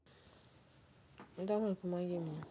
ну давай помоги мне